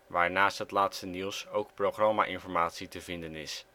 waar naast het laatste nieuws ook programma-informatie te vinden is